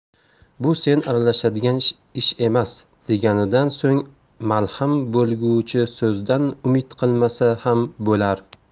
bu sen aralashadigan ish emas deganidan so'ng malham bo'lguchi so'zdan umid qilmasa ham bo'lar